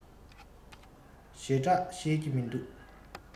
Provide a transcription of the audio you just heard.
ཞེ དྲགས ཤེས ཀྱི མི འདུག